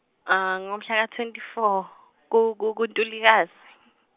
-a ngomhlaka- twenty four ku- ku- kuNtulikazi.